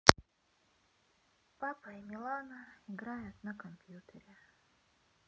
папа и милана играют на компьютере